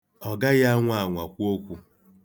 Ọ gaghị anwa anwa kwu okwu.